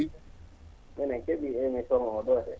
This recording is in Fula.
emin ke?ii émission oo ?o de